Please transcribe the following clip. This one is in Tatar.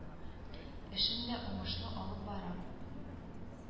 Эшен дә уңышлы алып бара